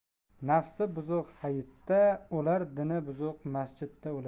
nafsi buzuq hayitda o'lar dini buzuq masjidda